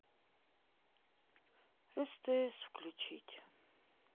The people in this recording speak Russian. стс включить